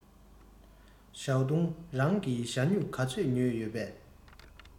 ཞའོ ཏུང རང གིས ཞྭ སྨྱུག ག ཚོད ཉོས ཡོད པས